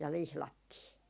ja lihdattiin